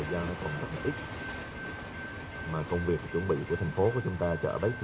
thời gian này còn rất là ít mà công việc chuẩn bị của thành phố của chúng ta cho a bếch